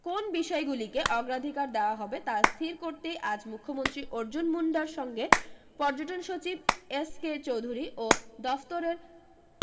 কোন বিষয়গুলিকে অগ্রাধিকার দেওয়া হবে তা স্থির করতেই আজ মুখ্যমন্ত্রী অর্জুন মুণ্ডার সঙ্গে পর্যটন সচিব এস কে চোধুরী ও দফতরের